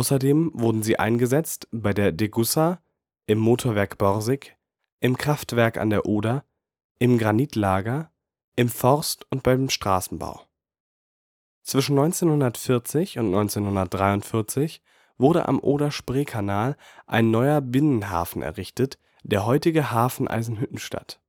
Außerdem wurden sie eingesetzt bei der Degussa, im Motorenwerk Borsig, im Kraftwerk an der Oder, im Granitlager, im Forst und beim Straßenbau. Zwischen 1940 und 1943 wurde am Oder-Spree-Kanal ein neuer Binnenhafen errichtet, der heutige Hafen Eisenhüttenstadt